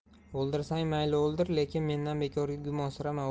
o'ldirsang mayli o'ldir lekin mendan bekorga gumonsirama